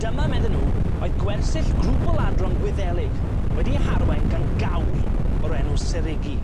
Dyma medden n'w oedd gwersyll grŵp o ladron Gwyddelig wedi'i harwain gan gawr o'r enw Seigiri.